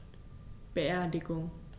Beerdigung